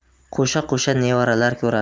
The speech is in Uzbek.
qo'sha qo'sha nevaralar ko'rasiz